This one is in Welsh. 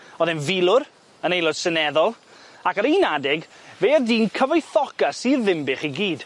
O'dd e'n filwr, yn aelod seneddol, ac ar un adeg fe o'dd dyn cyfoethoca sir Ddinbych i gyd.